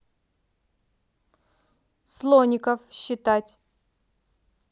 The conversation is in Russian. слоников считать